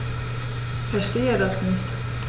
Verstehe das nicht.